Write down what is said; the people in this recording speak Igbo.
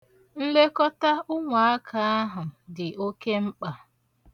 Nlekọta ụmụaka ahụ dị oke mkpa.